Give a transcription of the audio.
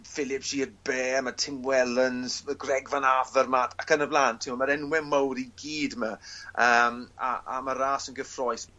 Philippe Gilbert ma' Tim Wellens ma' Greg Van Avermaet ac yn y bla'n. T'mo' ma'r enwe mowr i gyd 'ma. Yym.